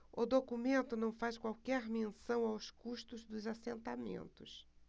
o documento não faz qualquer menção aos custos dos assentamentos